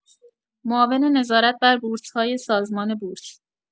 معاون نظارت بر بورس‌های سازمان بورس